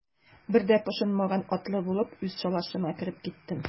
Бер дә пошынмаган атлы булып, үз шалашыма кереп киттем.